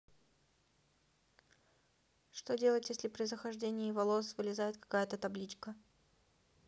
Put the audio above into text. что делать если при захождении волос влезает какая то табличка